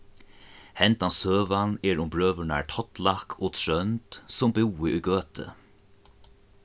hendan søgan er um brøðurnar tollak og trónd sum búðu í gøtu